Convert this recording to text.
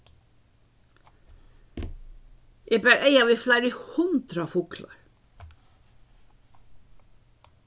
eg bar eyga við fleiri hundrað fuglar